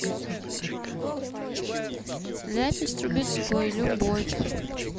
ляпис трубецкой любовь